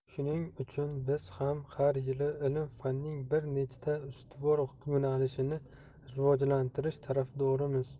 shuning uchun biz ham har yili ilm fanning bir nechta ustuvor yo'nalishini rivojlantirish tarafdorimiz